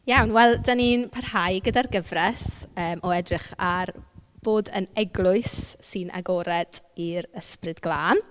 Iawn, wel, dan ni'n parhau gyda'r gyfres yym o edrych ar bod yn eglwys sy'n agored i'r Ysbryd Glân.